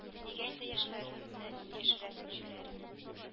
Нигә инде яшьләреңне яшерәсең җүләрем